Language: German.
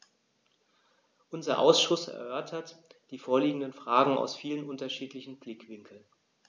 Unser Ausschuss erörtert die vorliegenden Fragen aus vielen unterschiedlichen Blickwinkeln.